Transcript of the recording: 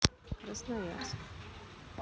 красноярск